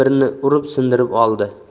birini urib sindirib oldi